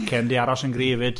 Yr acen di aros yn gryf 'fyd?